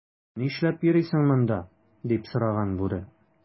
"нишләп йөрисең монда,” - дип сораган бүре.